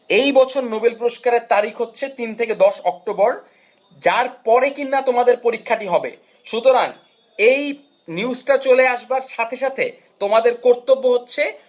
এই বছর নোবেল পুরস্কারের তারিখ হচ্ছে 3 থেকে 10 অক্টোবর যার পরে কি না তোমাদের পরীক্ষাটি হবে সুতরাং এই নিউজটা চলে আসবে সাথে সাথে তোমাদের কর্তব্য হচ্ছে